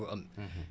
yeggaguñ fa